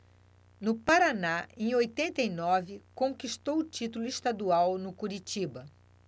no paraná em oitenta e nove conquistou o título estadual no curitiba